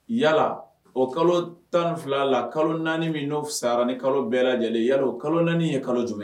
Yala o kalo tan fila la kalo naani min n' sara ni kalo bɛɛ lajɛlen ya kalo naani ye kalo jumɛn